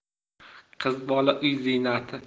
qiz bola uy ziynati